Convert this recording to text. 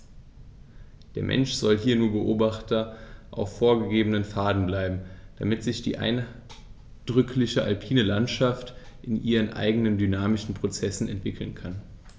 Der Mensch soll hier nur Beobachter auf vorgegebenen Pfaden bleiben, damit sich die eindrückliche alpine Landschaft in ihren eigenen dynamischen Prozessen entwickeln kann.